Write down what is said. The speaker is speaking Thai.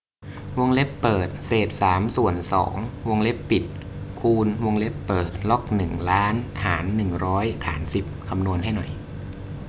วงเล็บเปิดเศษสามส่วนสองวงเล็บปิดคูณวงเล็บเปิดล็อกหนึ่งล้านหารหนึ่งร้อยฐานสิบวงเล็บปิดคำนวณให้หน่อย